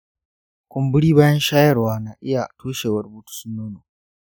ƙumburi bayan shayarwa na iya nufin toshewar bututun nono.